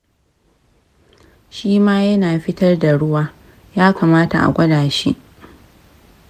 shima yana fitar da ruwa; yakamata a gwada shi?